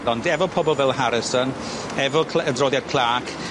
Ond efo pobol fel Harrison efo cly- adroddiad Clarke